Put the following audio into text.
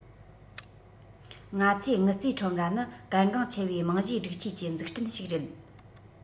ང ཚོས དངུལ རྩའི ཁྲོམ ར ནི གལ འགངས ཆེ བའི རྨང གཞིའི སྒྲིག ཆས ཀྱི འཛུགས སྐྲུན ཞིག རེད